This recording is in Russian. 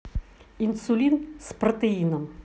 инсулин с протеином